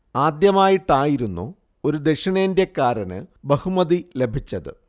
ആദ്യമായിട്ടായിരുന്നു ഒരു ദക്ഷിണേന്ത്യക്കാരന് ബഹുമതി ലഭിച്ചത്